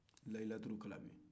layilaturukalabi